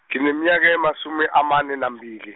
ngineminyaka emasumi amane nambili.